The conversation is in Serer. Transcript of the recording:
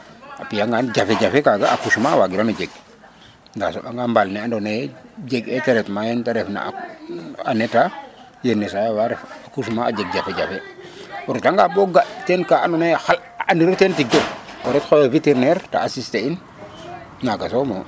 a fiya ngan jafe jafe kaga accouchement wagirano jeg nda a soɓa nga mbaal ne ando naye jeg e traitement yeen te refa en état yenisaay a wa ret accouchement a jeg jafe jaje o reta nga bo ga teen ka ando naye xay andiro teen tig koy o ret xoyo vétérinaire te assister in naga somo de